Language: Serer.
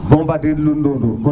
bo mbadid lul ndundur